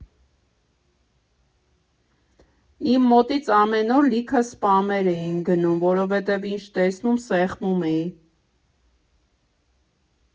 Իմ մոտից ամեն օր լիքը սպամեր էին գնում, որովհետև ինչ տեսնում՝ սեղմում էի։